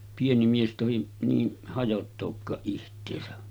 pieni mies tohdi niin hajottaakaan itseänsä